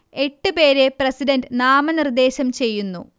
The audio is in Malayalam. എട്ട് പേരെ പ്രസിഡന്റ് നാമനിർദ്ദേശം ചെയ്യുന്നു